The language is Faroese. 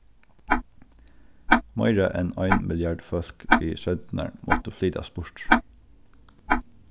meira enn ein milliard fólk við strendurnar máttu flytast burtur